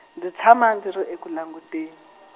ndzi tshama ndzi ri eku langute- .